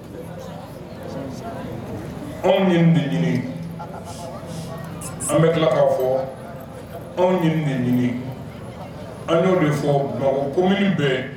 Anw de ɲini an bɛ tila ka fɔ anw de ɲini an'o de fɔ ko minnu bɛ